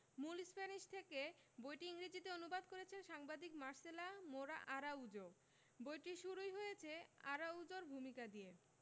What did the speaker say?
মূল স্প্যানিশ থেকে বইটি ইংরেজিতে অনু্বাদ করেছেন সাংবাদিক মার্সেলা মোরা আরাউজো বইটি শুরুই হয়েছে আরাউজোর ভূমিকা দিয়ে